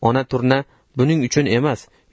ona turna buning uchun emas